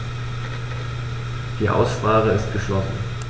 Die Aussprache ist geschlossen.